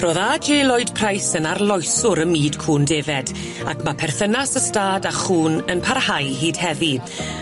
Ro'dd Are Jay Lloyd Price yn arloeswr ym myd cŵn defed ac ma' perthynas y stad a a chŵn yn parhau hyd heddi.